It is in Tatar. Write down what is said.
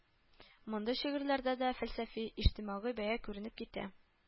Мондый шигырьләрдә дә фәлсәфи, иҗтимагый бәя күренеп китә